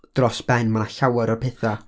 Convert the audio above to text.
Dros ben, ma' 'na llawer o pethau...